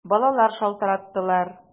Балалар шалтыраттылар!